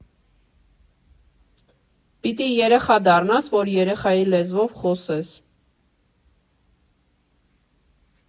Պիտի երեխա դառնաս, որ երեխայի լեզվով խոսես։